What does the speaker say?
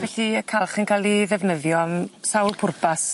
Felly y calch yn ca'l 'i ddefnyddio am sawl pwrpas.